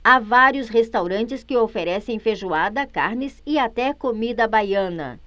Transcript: há vários restaurantes que oferecem feijoada carnes e até comida baiana